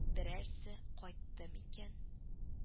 Берәрсе кайтты микән